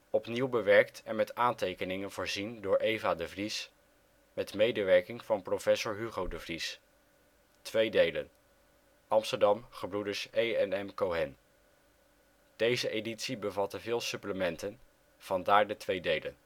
Opnieuw bewerkt en met aantekeningen voorzien door Eva De Vries, met medewerking van Professor Hugo De Vries. Twee delen. Amsterdam, Gebr. E. & M. Cohen. Deze editie bevatte veel supplementen, vandaar de twee delen